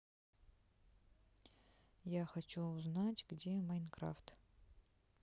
я хочу узнать где майнкрафт